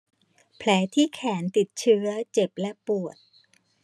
แผลที่แขนติดเชื้อเจ็บและปวด